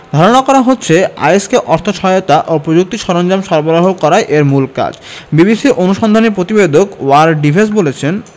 ধারণা করা হচ্ছে আইএস কে অর্থ সহায়তা ও প্রযুক্তি সরঞ্জাম সরবরাহ করাই এর মূল কাজ বিবিসির অনুসন্ধানী প্রতিবেদক ওয়্যার ডিভেস বলছেন